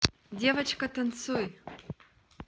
девочка танцуй